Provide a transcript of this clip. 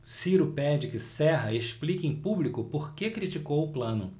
ciro pede que serra explique em público por que criticou plano